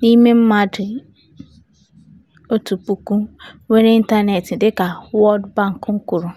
n'ime mmadụ 1000 nwere ịntaneetị dịka World Bank kwuru.